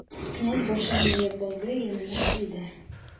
Князь, башын иеп, болдыр янына килде.